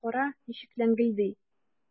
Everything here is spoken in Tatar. Кара, ничек ләңгелди!